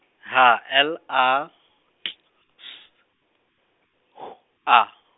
H L A, T S, W A.